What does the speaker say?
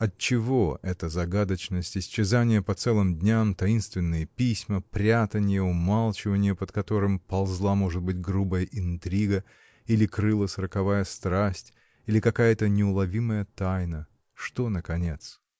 Отчего эта загадочность, исчезание по целым дням, таинственные письма, прятанье, умалчивание, под которым ползла, может быть, грубая интрига или крылась роковая страсть или какая-то неуловимая тайна — что, наконец?